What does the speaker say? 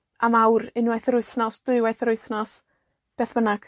Am awr, unwaith yr wythnos, dwywaith yr wythnos. Beth bynnag.